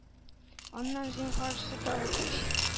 Аннан: “Зинһар, сөт алып эч,